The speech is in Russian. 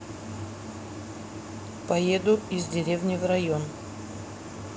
поеду из деревни в район